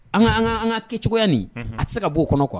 An an ka kɛ cogoyaya a tɛ se ka'o kɔnɔ kuwa